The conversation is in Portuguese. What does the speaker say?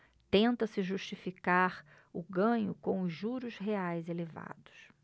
tenta-se justificar o ganho com os juros reais elevados